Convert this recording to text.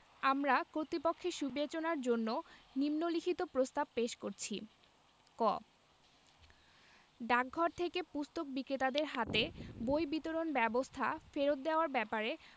আমরা কর্তৃপক্ষের সুবেচনার জন্য নিন্ম লিখিত প্রস্তাব পেশ করছি ক ডাকঘর থেকে পুস্তক বিক্রেতাদের হাতে বই বিতরণ ব্যবস্থা ফেরত দেওয়ার ব্যাপারে